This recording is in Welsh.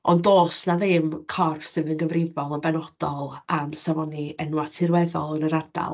Ond does na ddim corff sydd yn gyfrifol yn benodol am safonu enwau tirweddol yn yr ardal.